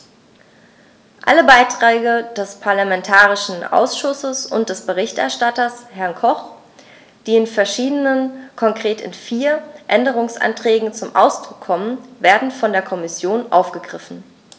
Alle Beiträge des parlamentarischen Ausschusses und des Berichterstatters, Herrn Koch, die in verschiedenen, konkret in vier, Änderungsanträgen zum Ausdruck kommen, werden von der Kommission aufgegriffen.